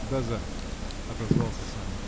До завтра! -- отозвался Санин.